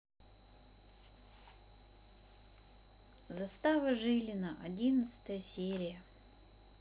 застава жилина одиннадцатая серия